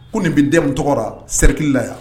Ko nin bɛ den tɔgɔ serikili la yan